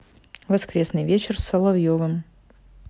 воскресный вечер с соловьевым